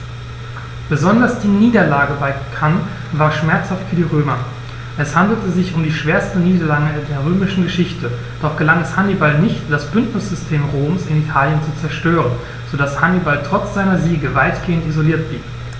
Besonders die Niederlage bei Cannae war schmerzhaft für die Römer: Es handelte sich um die schwerste Niederlage in der römischen Geschichte, doch gelang es Hannibal nicht, das Bündnissystem Roms in Italien zu zerstören, sodass Hannibal trotz seiner Siege weitgehend isoliert blieb.